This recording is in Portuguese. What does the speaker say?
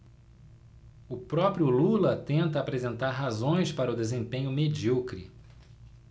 o próprio lula tenta apresentar razões para o desempenho medíocre